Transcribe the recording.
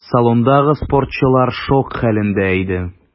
Салондагы спортчылар шок хәлендә иде.